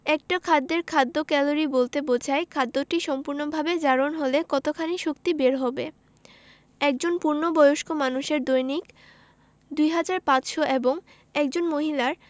একটা খাদ্যের খাদ্য ক্যালোরি বলতে বোঝায় খাদ্যটি সম্পূর্ণভাবে জারণ হলে কতখানি শক্তি বের হবে একজন পূর্ণবয়স্ক মানুষের দৈনিক ২৫০০ এবং একজন মহিলার